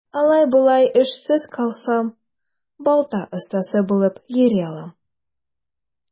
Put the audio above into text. Алай-болай эшсез калсам, балта остасы булып йөри алам.